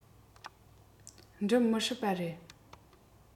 འགྲུབ མི སྲིད པ རེད